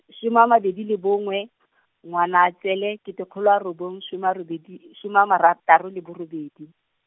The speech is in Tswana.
some a mabedi le bongwe , Ngwanatsele, kete kgolo a robong, some a robedi , some a marataro le borobedi.